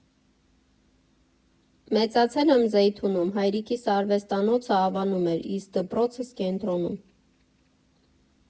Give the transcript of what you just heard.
Մեծացել եմ Զեյթունում, հայրիկիս արվեստանոցը Ավանում էր, իսկ դպրոցս՝ Կենտրոնում։